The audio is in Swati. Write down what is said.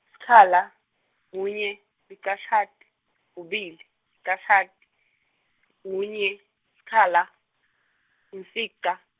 sikhala, kunye, licashata, kubili, licashata, kunye, sikhala, imfica.